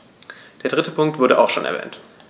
Der dritte Punkt wurde auch schon erwähnt.